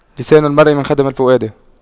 لسان المرء من خدم الفؤاد